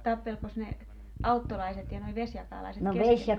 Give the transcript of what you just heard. tappelikos ne auttolaiset ja nuo vesijakaalaiset keskenään